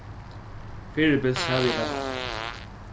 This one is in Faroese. fyribils havi eg tað gott